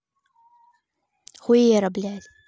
хуера блядь